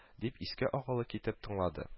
Дип, иске-акылы китеп тыңлады